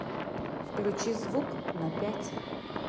включи звук на пять